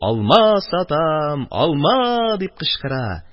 "алма сатам, ал-ма!» – дип кычкыра.